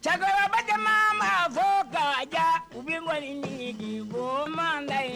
Cɛkɔrɔba jama ma fo ka ja, u bɛ gɔnnini ni fɔ o ma da ye